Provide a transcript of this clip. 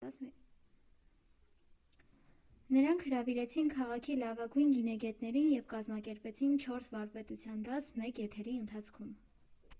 Նրանք հրավիրեցին քաղաքի լավագույն գինեգետներին և կազմակերպեցին չորս վարպետության դաս մեկ եթերի ընթացքում։